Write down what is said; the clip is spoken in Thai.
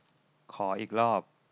ขออีกรอบ